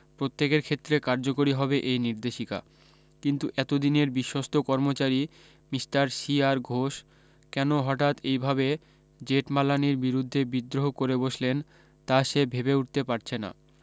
প্রত্যেকের ক্ষেত্রে কার্যকরী হবে এই নির্দেশিকা কিন্তু এতদিনের বিশ্বস্ত কর্মচারী মিষ্টার আর সি ঘোষ কেন হঠাত এইভাবে জেঠমালানির বিরুদ্ধে বিদ্রোহ করে বসলেন তা সে ভেবে উঠতে পারছে না